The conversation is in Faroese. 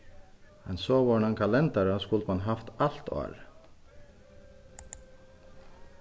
ein sovorðnan kalendara skuldi mann havt alt árið